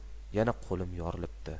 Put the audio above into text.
yana qo'lim yorilibdi